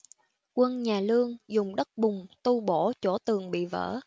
quân nhà lương dùng đất bùn tu bổ chỗ tường bị vỡ